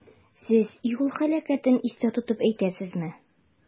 Сез юл һәлакәтен истә тотып әйтәсезме?